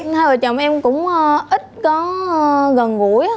hai vợ chồng em cũng ơ ít có gần gũi á